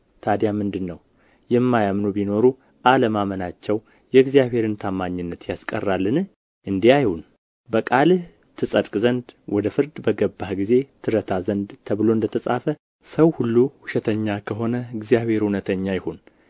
ታዲያ ምንድር ነው የማያምኑ ቢኖሩ አለማመናቸው የእግዚአብሔርን ታማኝነት ያስቀራልን እንዲህ አይሁን በቃልህ ትጸድቅ ዘንድ ወደ ፍርድ በገባህም ጊዜ ትረታ ዘንድ ተብሎ እንደ ተጻፈ ሰው ሁሉ ውሸተኛ ከሆነ እግዚአብሔር እውነተኛ ይሁን